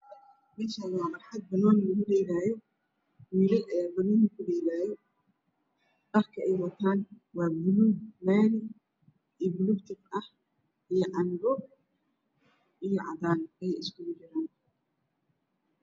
Meshan waa mel banoni laku dhelayo wll aya banoni kudhelayo dharka eey watan waa baluug maari io baluug tiq ah io cadan